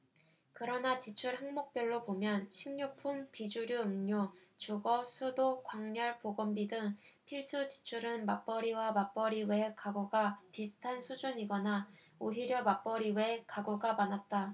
그러나 지출 항목별로 보면 식료품 비주류음료 주거 수도 광열 보건비 등 필수 지출은 맞벌이와 맞벌이 외 가구가 비슷한 수준이거나 오히려 맞벌이 외 가구가 많았다